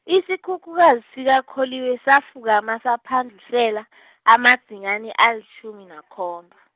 isikhukhukazi sikaKholiwe safukama saphandlusela , amadzinyani alitjhumi nakhomba.